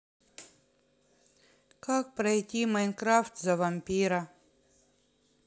как пройти майнкрафт за вампира